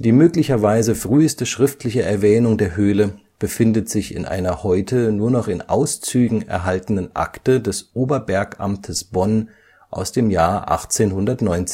möglicherweise früheste schriftliche Erwähnung der Höhle befindet sich in einer heute nur noch in Auszügen erhaltenen Akte des Oberbergamtes Bonn aus dem Jahr 1819